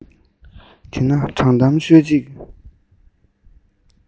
དེ ན དྲང གཏམ ཤོད ཅིག